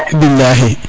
bilaxi